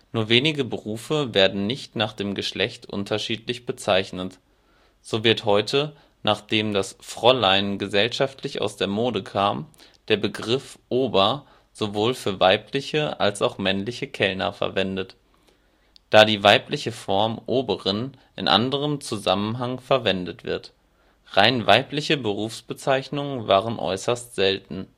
Nur wenige Berufe werden nicht nach dem Geschlecht unterschiedlich bezeichnet; so wird heute, nachdem das " Fräulein " gesellschaftlich aus der Mode kam, der Begriff " Ober " sowohl für weibliche als auch männliche Kellner verwendet, da die weibliche Form " Oberin " in anderem Zusammanhang verwendet wird. Rein weibliche Berufsbezeichnungen waren äußerst selten